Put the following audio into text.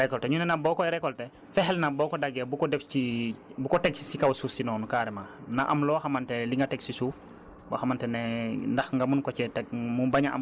donc dañuy xaar ba mu ba mu ñor carrément nga récolter ñu ne nag boo koy récolter fexeel nag boo ko daggee bu ko def ci bu ko teg si kaw suuf si noonu carrément na am loo xamante ne li nga teg ci suuf